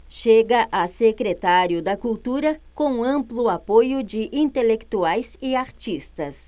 chega a secretário da cultura com amplo apoio de intelectuais e artistas